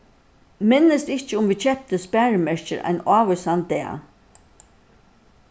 minnist ikki um vit keyptu sparimerkir ein ávísan dag